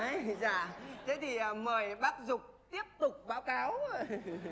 ấy dạ thế thì mời bác dục tiệp tục báo cáo ạ